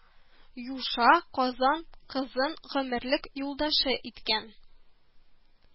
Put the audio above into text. Юша Казан кызын гомерлек юлдашы иткән